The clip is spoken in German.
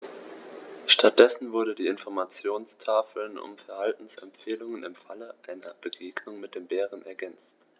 Stattdessen wurden die Informationstafeln um Verhaltensempfehlungen im Falle einer Begegnung mit dem Bären ergänzt.